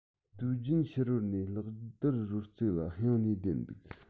དུས རྒྱུན ཕྱི རོལ ནས གློག རྡུལ རོལ རྩེད ལ གཡེང ནས བསྡད འདུག